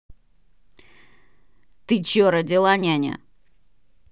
ты че родила няня